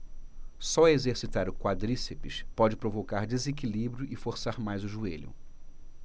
só exercitar o quadríceps pode provocar desequilíbrio e forçar mais o joelho